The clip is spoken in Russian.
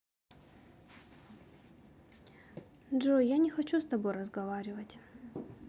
джой я не хочу с тобой разговаривать